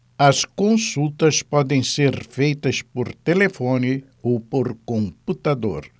as consultas podem ser feitas por telefone ou por computador